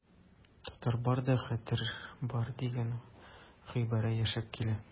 Татар барда хәтәр бар дигән гыйбарә яшәп килә.